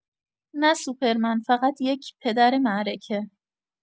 نه سوپرمن، فقط یک پدر معرکه.